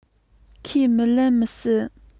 ཁས མི ལེན མི སྲིད